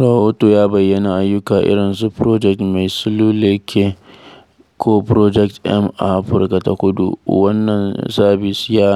Rahoton ya bayyana ayyuka irin su Project Masiluleke (ko Project M) a Afirka ta Kudu, wani sabis na